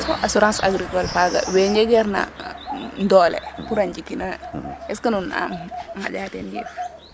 est ce que assurance agricole faaga we njegeer na dole pour a njikinooyo est ce que nu nanga nqaƴaa teen yif